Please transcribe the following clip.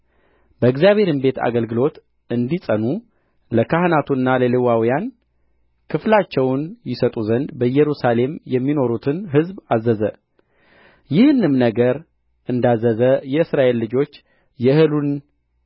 በእግዚአብሔርም ቤት ለአገልግሎት እንዲጸኑ ለካህናቱና ለሌዋውያን ክፍላቸውን ይሰጡ ዘንድ በኢየሩሳሌም የሚኖሩትን ሕዝብ አዘዘ ይህንም ነገር እንዳዘዘ የእስራኤል ልጆች የእህሉን